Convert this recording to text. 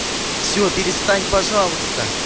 все перестань пожалуйста